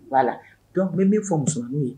Wala dɔn min fɔ mu n'u ye